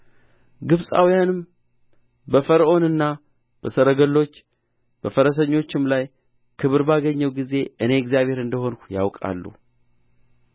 ግብፃውያንም በፈርዖንና በሰረገሎቹ በፈረሰኞቹም ላይ ክብር ባገኘሁ ጊዜ እኔ እግዚአብሔር እንደ ሆንሁ ያውቃሉ